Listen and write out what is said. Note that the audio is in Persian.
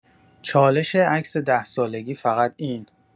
چالش عکس ۱۰ سالگی فقط این